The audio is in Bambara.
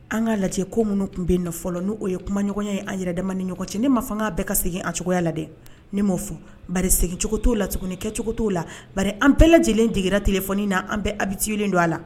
An k'a lajɛ ko minnu tun bɛ yen fɔlɔ n'o ye kumaɲɔgɔnya an ni ɲɔgɔn cɛ. Ne m'a fɔ k'a bɛɛ ka segin a cogoya la dɛ, ne m'o fɔ bari segincogo t'o la tuguni , kɛcogo t'o la, bari an bɛɛ lajɛlen degera telephone na, an bɛɛ lajɛlen habitué len don a la.